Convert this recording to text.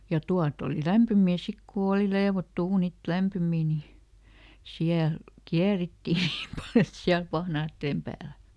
ja tuota oli lämpimiä sitten kun oli leivottu uunit lämpimiä niin siellä käärittiin niin paljon että siellä pahnojen päällä